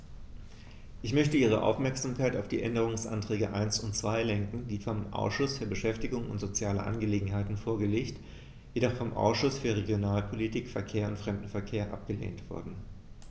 Ich möchte Ihre Aufmerksamkeit auf die Änderungsanträge 1 und 2 lenken, die vom Ausschuss für Beschäftigung und soziale Angelegenheiten vorgelegt, jedoch vom Ausschuss für Regionalpolitik, Verkehr und Fremdenverkehr abgelehnt wurden.